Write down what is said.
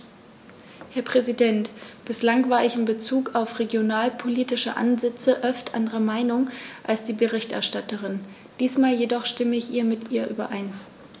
Herr Präsident, bislang war ich in Bezug auf regionalpolitische Ansätze oft anderer Meinung als die Berichterstatterin, diesmal jedoch stimme ich mit ihr überein.